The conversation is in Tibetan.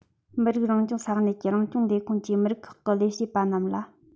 མི རིགས རང སྐྱོང ས གནས ཀྱི རང སྐྱོང ལས ཁུངས ཀྱིས མི རིགས ཁག གི ལས བྱེད པ རྣམས ལ